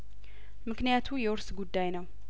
ምክንያቱ የውርስ ጉዳይ ነው